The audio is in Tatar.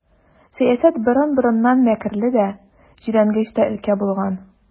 Сәясәт борын-борыннан мәкерле дә, җирәнгеч тә өлкә булган.